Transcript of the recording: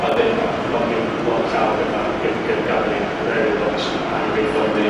A wedyn mond ryw lond llaw o betha gym gym gafon ni oerwydd odd o jyst angyfreithlon i ni...